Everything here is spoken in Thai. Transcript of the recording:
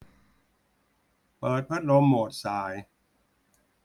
เปิดพัดลมโหมดส่าย